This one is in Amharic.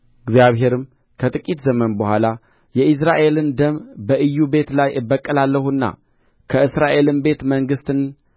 እግዚአብሔርም ከጥቂት ዘመን በኋላ የኢይዝራኤልን ደም በኢዩ ቤት ላይ እበቀላለሁና ከእስራኤልም ቤት መንግሥትን